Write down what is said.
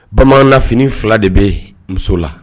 Bamananf fila de bɛ muso la